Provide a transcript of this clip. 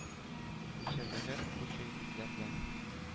Үлчәүдәге укучы егетләрдән,